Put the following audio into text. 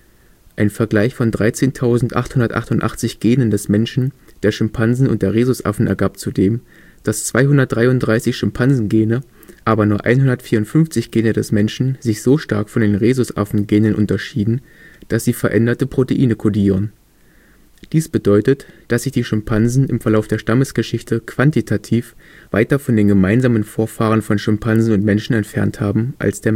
Ein Vergleich von 13.888 Genen des Menschen, der Schimpansen und der Rhesusaffen ergab zudem, dass 233 Schimpansen-Gene, aber nur 154 Gene des Menschen sich so stark von den Rhesusaffen-Genen unterscheiden, dass sie veränderte Proteine kodieren. Dies bedeutet, dass sich die Schimpansen im Verlauf der Stammesgeschichte quantitativ weiter von den gemeinsamen Vorfahren von Schimpansen und Menschen entfernt haben, als der Mensch